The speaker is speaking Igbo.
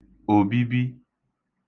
òbibi